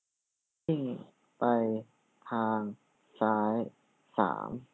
วิ่งไปทางซ้ายสาม